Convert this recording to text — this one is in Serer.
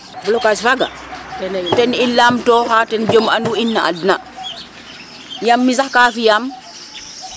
blocage faga ten i lam toxa ten jom anu in na ad na yaam mi sax ka fiyam e% o njax nda naan a fiyam e%